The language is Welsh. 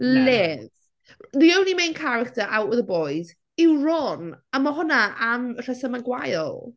Liz. The only main character out with the boys yw Ron a mae hwnna am rhesymau gwael.